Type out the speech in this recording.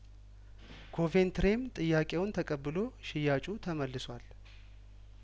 ኮቬንትሬም ጥያቄውን ተቀብሎ ሽያጩ ተመልሷል